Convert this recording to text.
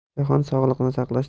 jahon sog'liqni saqlash